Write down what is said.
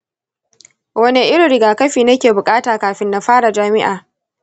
wanne irin rigakafi nake bukata kafin na fara jami'a?